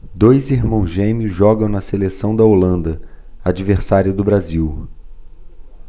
dois irmãos gêmeos jogam na seleção da holanda adversária do brasil